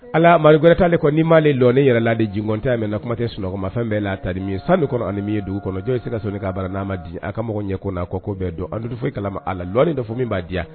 Ala mali gɛrɛtaale kɔnɔ ni m maale dɔnɔni yɛrɛ la dec kɔnte mɛ na kuma tɛ sunɔgɔmafɛn bɛɛ la tadimi sanu kɔnɔmi ye dugu kɔnɔjɔo yese ka sɔn k'a bara n'a ma di a kamɔgɔ ɲɛ ko kɔ ko bɛɛ dɔn andu fɔ e kala a la dɔnɔni dɔ fɔ min b'a di diya